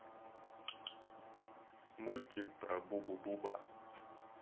мультик про бубу буба